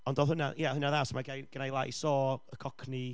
Ond oedd hynna... ia oedd hynna'n dda, so ma' gynna i gynna ei lais o, y cockney